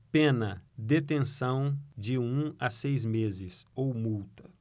pena detenção de um a seis meses ou multa